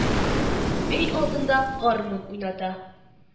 Өй алдында гармун уйната